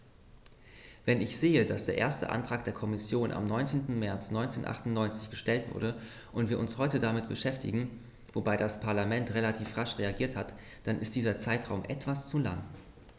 Wenn ich sehe, dass der erste Antrag der Kommission am 19. März 1998 gestellt wurde und wir uns heute damit beschäftigen - wobei das Parlament relativ rasch reagiert hat -, dann ist dieser Zeitraum etwas zu lang.